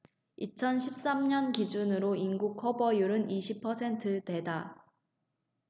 이천 십 삼 년 기준으로 인구 커버율은 이십 퍼센트대다